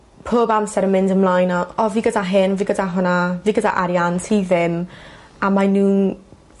pob amser yn mynd ymlaen o fi gyda hyn fi gyda hwnna fi gyda arian ti ddim a mae nw'n